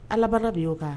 Alabana bin y'o ka!